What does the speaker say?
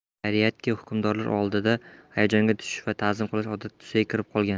xayriyatki hukmdorlar oldida hayajonga tushish va tazim qilish odat tusiga kirib qolgan